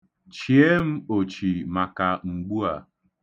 Chie m ochi maka mgbu a.